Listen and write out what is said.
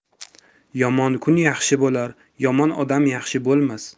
yomon kun yaxshi bolar yomon odam yaxshi bo'lmas